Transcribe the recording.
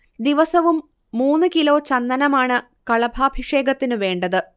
ദിവസവും മൂന്ന് കിലോ ചന്ദനമാണ് കളഭാഭിഷേകത്തിനു വേണ്ടത്